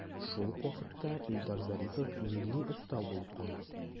Шул ук вакытта Илдар Зарипов милли оста булып кала.